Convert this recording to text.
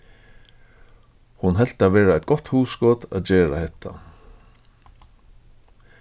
hon helt tað vera eitt gott hugskot at gera hetta